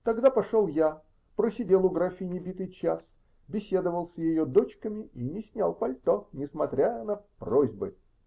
Тогда пошел я, просидел у графини битый час, беседовал с ее дочками и не снял пальто, несмотря на просьбы.